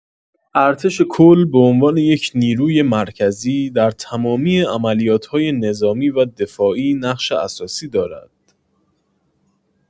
ارتش کل به عنوان یک نیروی مرکزی، در تمامی عملیات‌های نظامی و دفاعی نقش اساسی دارد.